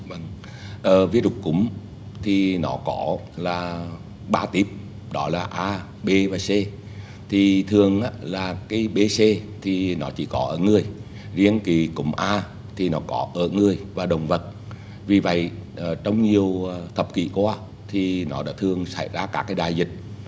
vâng ờ vi rút cúm thì nó có là ba típ đó là a bê và xê thì thường á là cái bê xê thì nó chỉ có ở người riêng cái cúm a thì nó có ở người và động vật vì vậy trong nhiều thập kỷ qua thì nó đã thường xảy ra các đại dịch